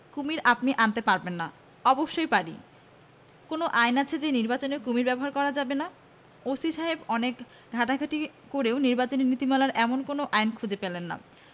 কুমীর আপনি আনতে পারেন না'‘অবশ্যই পারি কোন আইনে আছে যে নির্বাচনে কুমীর ব্যবহার করা যাবে না ওসি সাহেব অনেক ঘাঁটাঘাটি করেও নির্বাচনী নীতিমালায় এমন কোন আইন খুঁজে পেলেন না